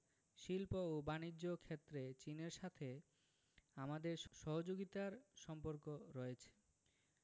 শিল্প ও বানিজ্য ক্ষেত্রে চীনের সাথে আমাদের সহযোগিতার সম্পর্কও রয়েছে